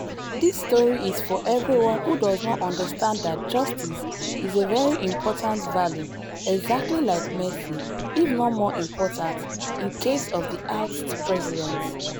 This story is for everyone who does not understand that justice is a very important value, exactly like mercy – if not more important, in case of the ousted president.